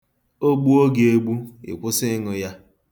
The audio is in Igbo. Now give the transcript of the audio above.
O gbuo gị egbu, ị kwụsị ịṅụ ya.